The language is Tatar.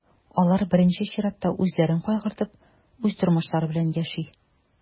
Алар, беренче чиратта, үзләрен кайгыртып, үз тормышлары белән яши.